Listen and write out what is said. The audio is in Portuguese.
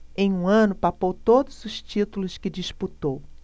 em um ano papou todos os títulos que disputou